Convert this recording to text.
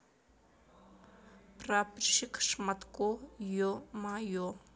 прапорщик шматко е мое